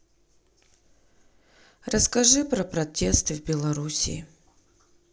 расскажи про протесты в белоруссии